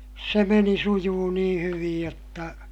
se meni sujui niin hyvin jotta